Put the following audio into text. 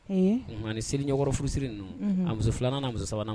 Ni seli ɲɛkɔrɔ furusi ninnu a muso filanan muso sabanan